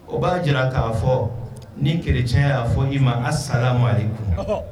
O b'a jira k'a fɔ ni kerec y'a fɔ i ma a sala mare kun